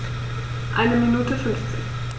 Eine Minute 50